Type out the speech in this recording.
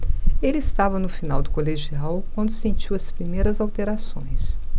ele estava no final do colegial quando sentiu as primeiras alterações